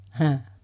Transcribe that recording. häh